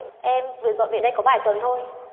em vừa dọn về đây có vài tuần thôi